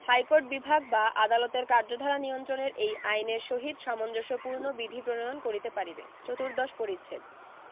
high court বিভাগ বা আদালতের কার্যধারা নিয়ন্ত্রণের এই আইনের সহিত সামঞ্জস্যপূর্ণ বিধি প্রণয়ন করিতে পারিবে চতুর্দশ পরিচ্ছেদ